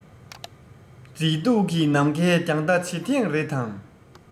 མཛེས སྡུག གི ནམ མཁའི རྒྱང ལྟ བྱེད ཐེངས རེ དང